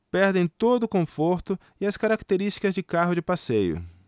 perdem todo o conforto e as características de carro de passeio